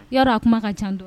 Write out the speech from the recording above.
Yɔrɔ a kuma ka ca dɔɔn